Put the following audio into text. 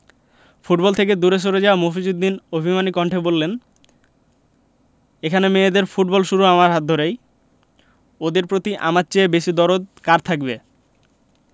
football থেকে দূরে সরে যাওয়া মফিজ উদ্দিন অভিমানী কণ্ঠে বললেন এখানে মেয়েদের ফুটবল শুরু আমার হাত ধরেই ওদের প্রতি আমার চেয়ে বেশি দরদ কার থাকবে